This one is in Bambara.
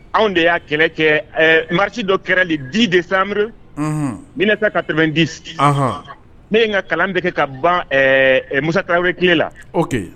Anw de y'a kɛlɛ kɛ marisi dɔ kɛrali di de sari n bɛnasa ka tɛmɛ di sigi ne ye ka kalan bɛ kɛ ka ban musata wɛrɛ ki la